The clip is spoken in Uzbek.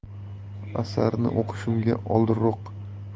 asarni o'qishimga oldinroq shu nomli